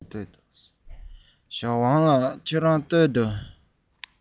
ཞའོ ཝང ལགས ཁྱེད རང གཟིགས དང